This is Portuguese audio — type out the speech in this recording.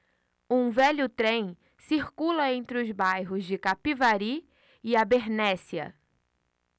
um velho trem circula entre os bairros de capivari e abernéssia